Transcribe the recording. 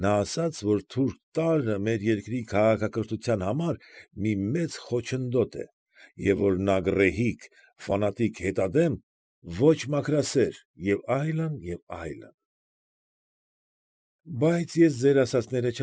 Նա ասաց, որ թուրք տարրը մեր երկրի քաղաքականության համար մի մեծ խոչընդոտ է, որ նա գռեհիկ, ֆանատիկ, հետադեմ, ոչ մաքրասեր և այլն, և այլն… ֊ Բայց ես ձեր ասածները։